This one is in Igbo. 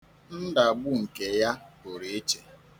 Ndagbu nke ya pụrụ iche.